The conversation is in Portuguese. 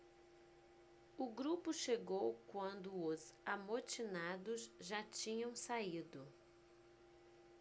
o grupo chegou quando os amotinados já tinham saído